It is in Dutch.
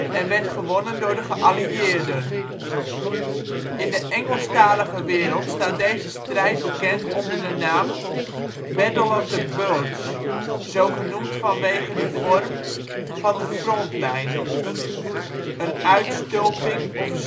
en werd gewonnen door de geallieerden. In de Engelstalige wereld staat deze strijd bekend onder de naam Battle of the Bulge, zo genoemd vanwege de vorm van de frontlijn (een uitstulping of zak